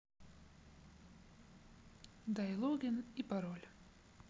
дай логин и пароль